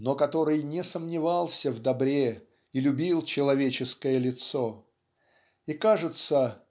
но который не сомневался в добре и любил человеческое лицо. И кажется